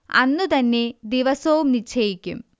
അന്നുതന്നെ ദിവസവും നിശ്ചയിക്കും